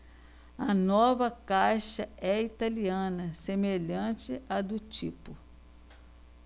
a nova caixa é italiana semelhante à do tipo